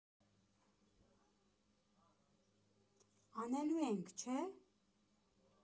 Անելու ենք, չէ՞։